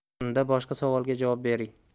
unda boshqa savolga javob bering